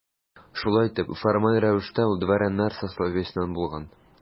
Шулай итеп, формаль рәвештә ул дворяннар сословиесеннән булган.